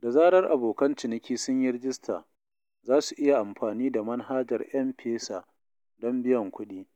Da zarar abokan ciniki sun yi rajista, za su iya amfani da manhajar M-Pesa don biyan kuɗi,